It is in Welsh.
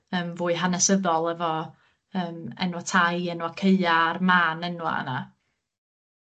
yym fwy hanesyddol efo yym enwa' tai, enwa' caea', a'r mân enwa' yna.